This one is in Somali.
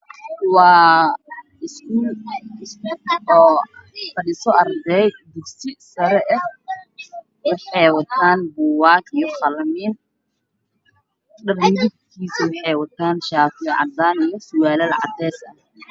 Waa wiilal school joogaan cashar ay iga qaadanayaan waxay wataan shatiyacdaan kuraasta ay kufadhiyaan